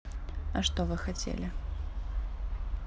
а что вы хотели